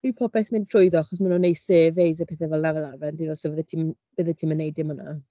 i popeth mynd trwyddo, achos maen nhw'n wneud surveys a pethe fel 'na fel arfer ond 'y nhw. So fyddet ti bydde ti ddim yn wneud dim o 'na.